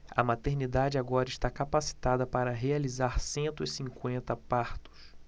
a maternidade agora está capacitada para realizar cento e cinquenta partos